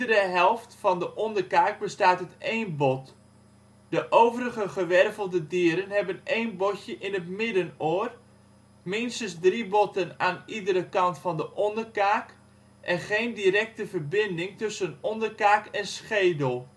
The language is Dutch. helft van de onderkaak bestaat uit één bot. De overige gewervelde dieren hebben één botje in het middenoor, minstens drie botten aan iedere kant van de onderkaak en geen directe verbinding tussen onderkaak en schedel